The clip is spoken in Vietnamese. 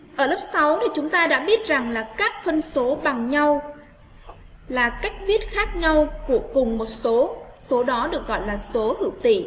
thì chúng ta đã biết rằng là các phân số bằng nhau là cách viết khác nhau của cùng một số số đó được gọi là số hữu tỉ